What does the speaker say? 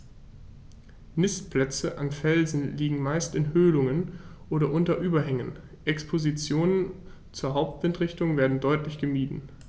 Nistplätze an Felsen liegen meist in Höhlungen oder unter Überhängen, Expositionen zur Hauptwindrichtung werden deutlich gemieden.